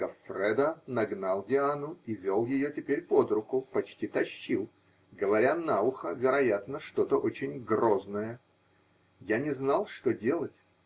Гоффредо нагнал Диану и вел ее теперь под руку, почти тащил, говоря на ухо, вероятно, что-то очень грозное. Я не знал, что делать.